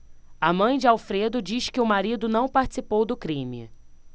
a mãe de alfredo diz que o marido não participou do crime